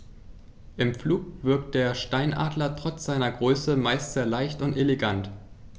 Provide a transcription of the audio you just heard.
Im Flug wirkt der Steinadler trotz seiner Größe meist sehr leicht und elegant.